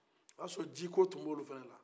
o y'a sɔrɔ ji ko tun bɛ olu la